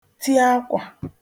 ti akwà